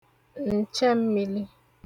ǹchẹm̄mīlī